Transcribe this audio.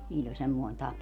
niillä oli semmoinen tapa